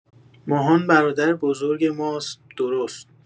ماهان برادر بزرگ ماست درست!